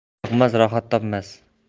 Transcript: ishyoqmas rohat topmas